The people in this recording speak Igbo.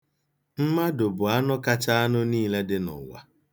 Mmadụ bụ anụ kacha anụ niile dị n'ụwa.